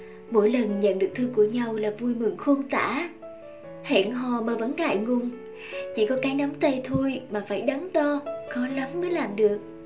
mỗi lần nhận được thư của nhau là vui mừng khôn tả hẹn hò mà vẫn ngại ngùng chỉ có cái nắm tay thôi mà phải đắn đo khó lắm mới làm được